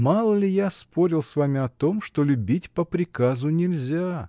Мало ли я спорил с вами о том, что любить по приказу нельзя!.